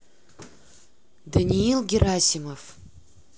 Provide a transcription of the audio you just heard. даниил герасимов